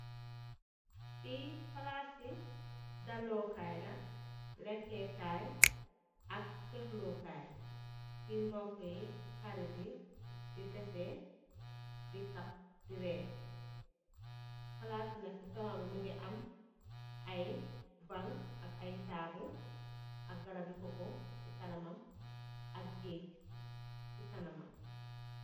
Li palasu dalu Kai la, lekkeh kai ak fexlu Kai , fiy mbokayi, xarit yi di tasèh di kaf di rèèh.